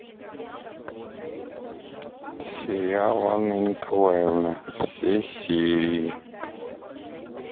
сериал анна николаевна все серии